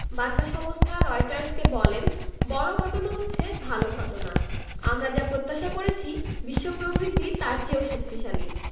বার্তা সংস্থা রয়টার্সকে বলেন বড় ঘটনা হচ্ছে ভালো ঘটনা আমরা যা প্রত্যাশা করেছি বিশ্ব প্রবৃদ্ধি তার চেয়েও শক্তিশালী